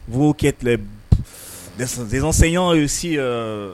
'o kɛ tile desenɲɔgɔnɔn ye si yan